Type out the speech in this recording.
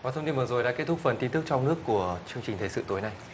và thông tin vừa rồi đã kết thúc phần tin tức trong nước của chương trình thời sự tối nay